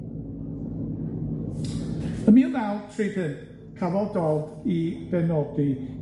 Ym mil naw tri phump, cafodd Dodd 'i benodi